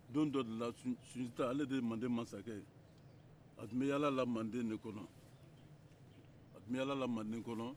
don dɔ de la sunjata ale de ye mande masakɛ ye a tun bɛ yalala mande de kɔnɔ a tun bɛ yalala mande kɔnɔ